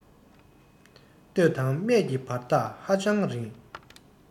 སྟོད དང སྨད ཀྱི བར ཐག ཧ ཅང རིང